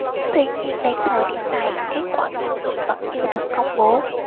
tuy nhiên đến thời điểm này kết quả kiểm nghiệm vẫn chưa được công bố